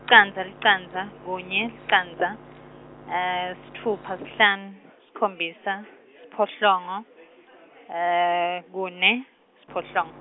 candza, licandza, kunye, licandza, sitfupha, kuhlanu, sikhombisa , siphohlongo, kune, siphohlong-.